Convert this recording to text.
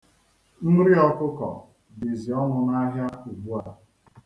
Nri ọkụkọ dịzị ọnụ n'ahịa ugbua.